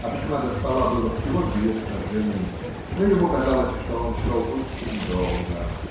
От окна до стола было всего две сажени, но ему казалось, что он шел очень долго.